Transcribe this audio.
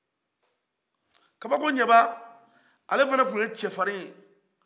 kabakoɲɛba ale fana tun ye cɛfari ye